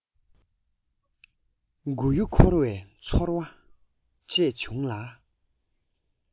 མགོ ཡུ འཁོར བའི ཚོར བ སྤྲད བྱུང ལ